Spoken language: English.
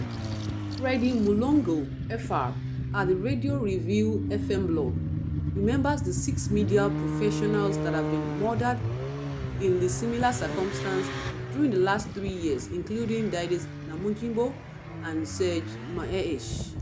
Freddy Mulongo [Fr] at the Radio Revéil FM blog, remembers the six media professionals that have been murdered in similar circumstances during the last three years, including Didace Namujimbo and Serge Maheshe.